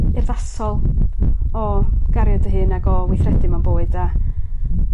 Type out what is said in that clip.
urddasol o gario dy hun ag o weithredu mewn bywyd a